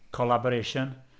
Collaboration.